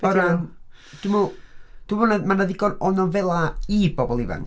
O ran dwi'n meddwl, dwi'n meddwl 'na mae 'na ddigon o nofelau i bobol ifanc.